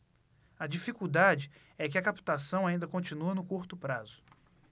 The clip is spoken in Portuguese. a dificuldade é que a captação ainda continua no curto prazo